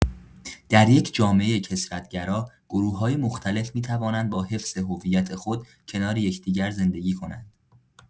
در یک جامعۀ کثرت‌گرا، گروه‌های مختلف می‌توانند با حفظ هویت خود، کنار یکدیگر زندگی کنند.